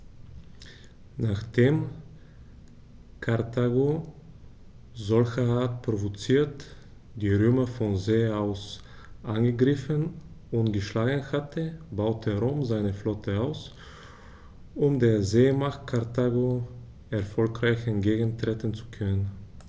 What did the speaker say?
Nachdem Karthago, solcherart provoziert, die Römer von See aus angegriffen und geschlagen hatte, baute Rom seine Flotte aus, um der Seemacht Karthago erfolgreich entgegentreten zu können.